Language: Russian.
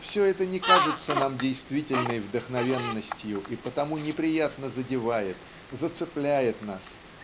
все это не кажется нам действительной вдохновенностью и потому неприятно задевает зацепляет нас